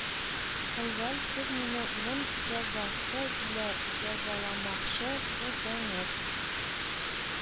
Әүвәл сез мине үлем җәзасы илә җәзаламакчы булдыңыз